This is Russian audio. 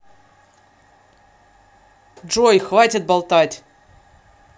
джой хватит болтать